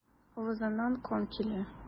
Авызыннан кан килә.